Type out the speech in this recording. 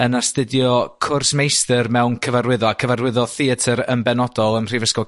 yn astudio cwrs meistr mewn cyfarwyddo. Cyfarwyddodd theatr ym benodol ym mhrifysgol